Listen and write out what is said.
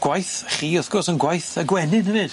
Gwaith chi wrth gwrs on' gwaith y gwenyn hefyd.